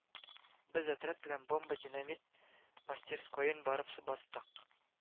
Без отряд белән бомба-динамит мастерскоен барып бастык